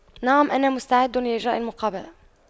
نعم انا مستعد لإجراء المقابلة